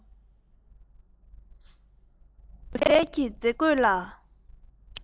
སྒྱུ རྩལ གྱི མཛེས བཀོད ལ